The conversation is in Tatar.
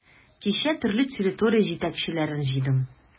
Кичә төрле территория җитәкчеләрен җыйдым.